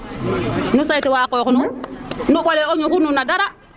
nu sey tuwa a qox nuun nu mbole o ñuxur nuun no dara